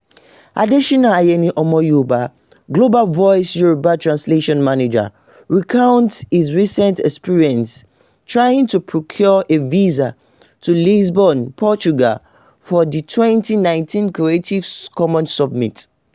Adéṣínà Ayẹni (Ọmọ Yoòbá), Global Voices Yoruba translation manager, recounts his recent experience trying to procure a visa to Lisbon, Portugal, for the 2019 Creative Commons Summit: